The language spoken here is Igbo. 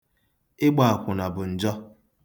Ịgba akwụna bụ njọ.